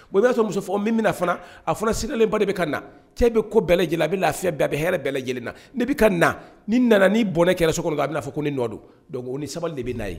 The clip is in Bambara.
O b'a sɔrɔ muso minmina fana a fɔra siralen ba de bɛ ka na cɛ bɛ ko bɛɛ lajɛlen a bɛ lafi bɛɛ bɛ hɛrɛɛ bɛɛ lajɛlen na bɛ ka na ni nana nii bɔnɛ kɛlɛ so a'a fɔ ko nɔ don ni sabali de bɛ na ye